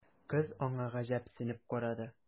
Кыз аңа гаҗәпсенеп карады.